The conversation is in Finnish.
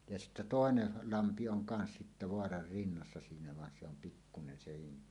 ja sitten toinen lampi on kanssa sitten vaaran rinnassa siinä vaan se on pikkunen sekin niin